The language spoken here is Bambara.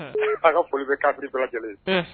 Ko bɛ'a ka folibe ka bɛɛ lajɛlen